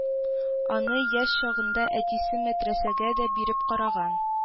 Аны яшь чагында әтисе мәдрәсәгә дә биреп караган